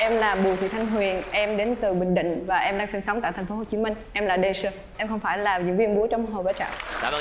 em là bùi thị thanh huyền em đến từ bình định và em đang sinh sống tại thành phố hồ chí minh em là đen sơ em không phải là diễn viên múa trong hò bá trạo